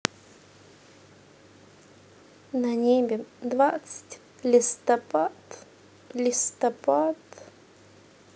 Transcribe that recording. на небе двадцать листопад листопад